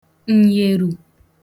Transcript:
ǹyèrù